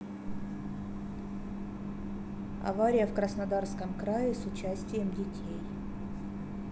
авария в краснодарском крае с участием детей